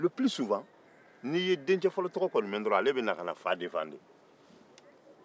ne ye dencɛ fɔlɔ tɔgɔ kɔni mɛn dɔrɔn ale bɛ na ka na fa defan de